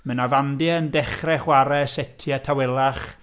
Ma' 'na fandiau yn dechrau chwarae setiau tawelach.